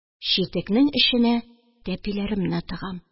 Читекнең эченә тәпиләремне тыгам